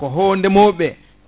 ko ho ndeemoɓeɓe